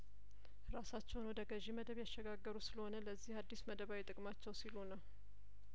እራሳቸውን ወደ ገዢ መደብ ያሸጋገሩ ስለሆነ ለዚህ አዲስ መደባዊ ጥቅማቸው ሲሉ ነው